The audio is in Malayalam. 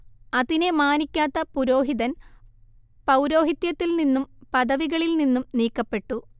അതിനെ മാനിക്കാത്ത പുരോഹിതൻ പൗരോഹിത്യത്തിൽ നിന്നും പദവികളിൽ നിന്നും നീക്കപ്പെട്ടു